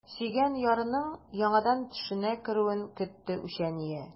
Сөйгән ярының яңадан төшенә керүен көтте үчәния.